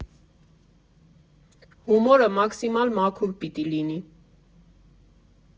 Հումորը մաքսիմալ մաքուր պիտի լինի։